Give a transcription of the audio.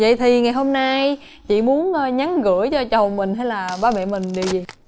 vậy thì ngày hôm nay chị muốn nhắn gửi cho chồng mình hay là bảo vệ mình điều gì